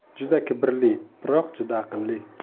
juda kibrli biroq juda aqlli